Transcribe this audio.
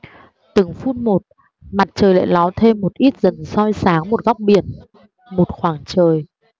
từng phút một mặt trời lại ló thêm một ít dần soi sáng một góc biển một khoảng trời